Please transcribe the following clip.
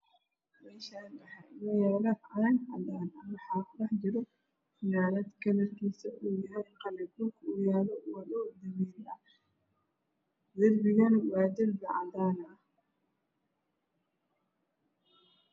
Meshani waxa ino yalo cag cadan ah waxa kudhexjiro fananad kalarkis ow yahay qalin dhulka oow yalo waa dhul dameri ah darbigan waa dirbi cadan ah